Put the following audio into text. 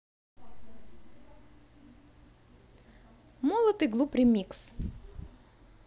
молод и глуп ремикс